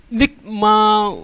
Ni ma